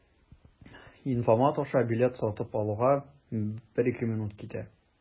Инфомат аша билет сатып алуга 1-2 минут китә.